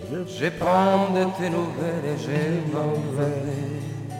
Bɛ sen' fɛ son'